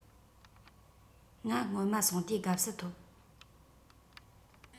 ང སྔོན མ སོང དུས དགའ བསུ ཐོབ